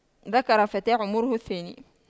ذكر الفتى عمره الثاني